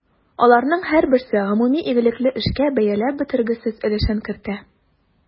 Аларның һәрберсе гомуми игелекле эшкә бәяләп бетергесез өлешен кертә.